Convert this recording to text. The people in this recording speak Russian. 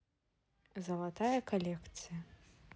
золотая коллекция